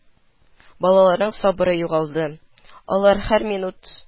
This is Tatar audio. Балаларның сабыры югалды, алар һәр минут: